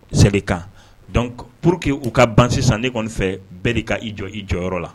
Se kan pur que u ka ban sisan ne kɔni fɛ bɛɛ ka i jɔ i jɔyɔrɔyɔrɔ la